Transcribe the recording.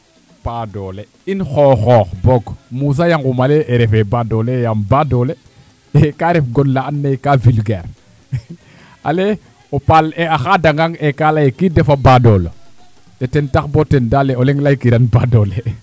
paadoale in xooxoox boog Moussa Yangoum ale refee baadoole yee yaam baadoole ka ref gon la andoona yee kaa vulgaire ale o paal alee a xaadangang e kaa laye ki dafa baadoola ten tax bo ten daal o leŋ laykiran baadole